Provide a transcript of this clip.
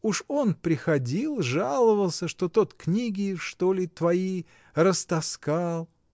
Уж он приходил, жаловался, что тот книги, что ли, твои растаскал.